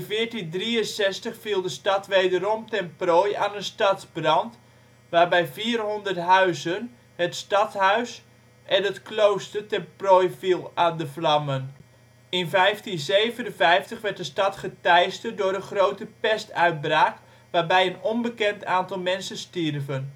1463 viel de stad wederom ten prooi aan een stadsbrand. Waarbij 400 huizen, het stadshuis en het klooster ten prooi aan de vlammen vielen. In 1557 werd de stad geteisterd door een grote pestuitbraak, waarbij een onbekend aantal mensen stierven